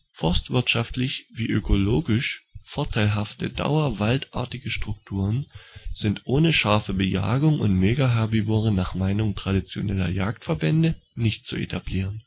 Forstwirtschaftlich wie ökologisch vorteilhafte, dauerwaldartige Strukturen sind ohne scharfe Bejagung der Megaherbivoren nach Meinung traditioneller Jägdverbände nicht zu etablieren